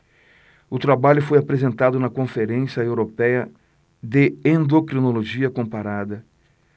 o trabalho foi apresentado na conferência européia de endocrinologia comparada